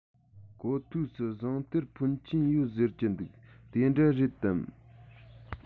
གོ ཐོས སུ ཟངས གཏེར འཕོན ཆེན ཡོད ཟེར གྱི འདུག དེ འདྲ རེད དམ